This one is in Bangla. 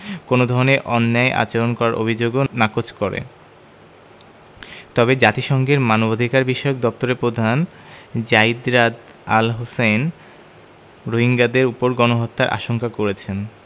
কোনো ধরনের অন্যায় আচরণ করার অভিযোগও নাকচ করে তবে জাতিসংঘের মানবাধিকারবিষয়ক দপ্তরের প্রধান যায়িদ রাদ আল হোসেইন রোহিঙ্গাদের ওপর গণহত্যার আশঙ্কা করেছেন